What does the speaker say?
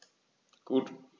Gut.